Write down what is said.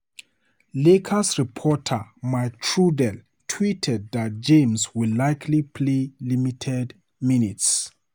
Lakers reporter Mike Trudell tweeted that James will likely play limited minutes.